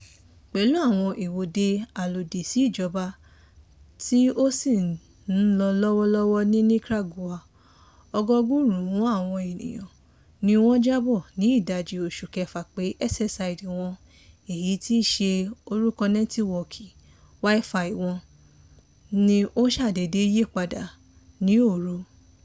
Pẹ̀lú àwọn ìwọ́de alòdì sí ìjọba tí ó sì ń lọ lọ́wọ́ ní Nicaragua, ọgọgọ́rùn-ún àwọn ènìyàn ni wọ́n jábọ̀ ni ìdajì oṣù Kẹfà pé SSID wọn (èyí tí í ṣe orúkọ nẹ́tíwọ́ọ̀kì WI-FI wọn) ni ó ṣàdédé yí padà ní òru